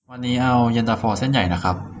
วันนี้เอาเย็นตาโฟเส้นใหญ่นะครับ